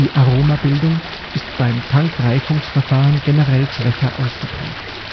Aromabildung ist beim Tankreifungsverfahren generell schwächer ausgeprägt